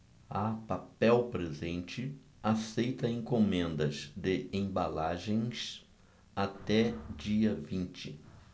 a papel presente aceita encomendas de embalagens até dia vinte